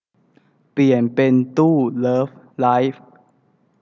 เปลี่ยนเป็นตู้เลิฟไลฟ์